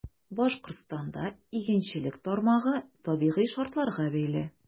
Башкортстанда игенчелек тармагы табигый шартларга бәйле.